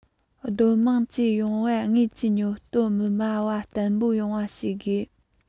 སྡོད དམངས ཀྱི ཡོང འབབ དངོས ཀྱི ཉོ སྟོབས མི དམའ བ བརྟན པོ ཡོང བ བྱེད དགོས